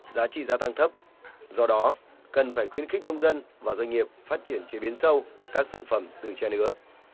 giá trị gia tăng thấp do đó cần phải khuyến khích nông dân và doanh nghiệp phát triển chế biến sâu các sản phẩm từ tre nứa